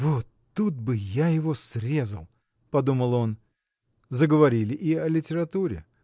Вот тут бы я его срезал, – подумал он. Заговорили и о литературе